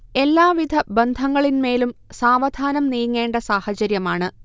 എല്ലാ വിധ ബന്ധങ്ങളിന്മേലും സാവധാനം നീങ്ങേണ്ട സാഹചര്യമാണ്